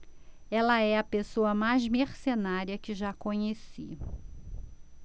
ela é a pessoa mais mercenária que já conheci